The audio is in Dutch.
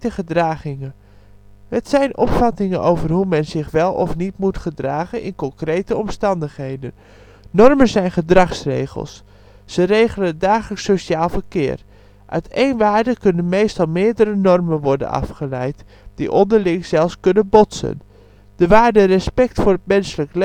gedragingen; het zijn opvattingen over hoe men zich wel of niet moet gedragen in concrete omstandigheden. Normen zijn gedragsregels; ze regelen het dagelijks sociaal verkeer. Uit één waarde kunnen meestal meerdere normen worden afgeleid, die onderling zelfs kunnen botsen. De waarde ‘respect voor het menselijk leven